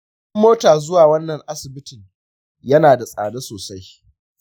kudin mota zuwa wannan asibiti yana da tsada sosai.